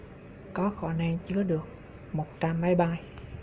có khả năng chứa được một trăm máy bay